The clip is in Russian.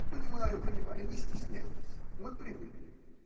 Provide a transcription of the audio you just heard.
– Понимаю, понимаю, не стесняйтесь, мы привыкли.